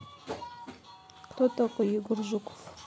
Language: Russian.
кто такой егор жуков